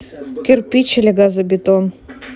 кирпич или газобетон